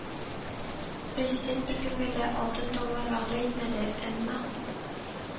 Президент беркемгә дә алтын тау лар вәгъдә итмәде, әмма